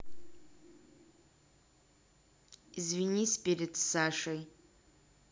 извинись перед сашей